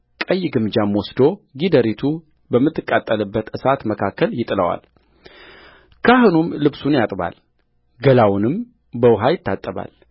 ቀይ ግምጃም ወስዶ ጊደሪቱ በምትቃጠልበት እሳት መካከል ይጥለዋልካህኑም ልብሱን ያጥባል ገላውንም በውኃ ይታጠባል